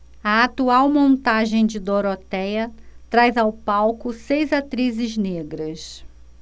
a atual montagem de dorotéia traz ao palco seis atrizes negras